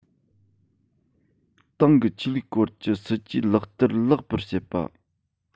ཏང གི ཆོས ལུགས སྐོར གྱི སྲིད ཇུས ལག བསྟར ལེགས པར བྱེད པ